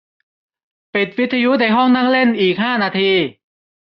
ปิดวิทยุในห้องนั่งเล่นอีกห้านาที